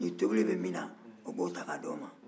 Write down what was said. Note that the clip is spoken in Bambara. ni tobili bɛ min na o bɛ ta k'a d'o ma